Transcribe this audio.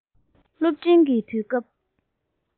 སློབ འབྲིང གི དུས སྐབས